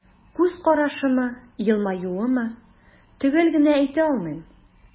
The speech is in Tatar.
Күз карашымы, елмаюмы – төгәл генә әйтә алмыйм.